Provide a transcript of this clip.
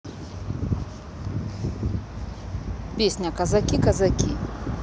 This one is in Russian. песня казаки казаки